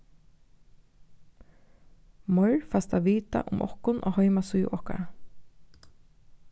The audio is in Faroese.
meir fæst at vita um okkum á heimasíðu okkara